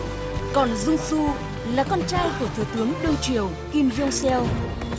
còn dung su là con trai của thủ tướng đương triều kim giun seo